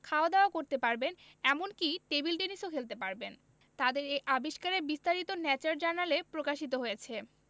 খাওয়া দাওয়া করতে পারবেন এমনকি টেবিল টেনিসও খেলতে পারবেন তাদের এই আবিষ্কারের বিস্তারিত ন্যাচার জার্নালে প্রকাশিত হয়েছে